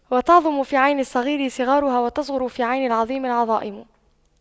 وتعظم في عين الصغير صغارها وتصغر في عين العظيم العظائم